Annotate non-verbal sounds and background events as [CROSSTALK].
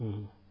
[HESITATION] [HESITATION]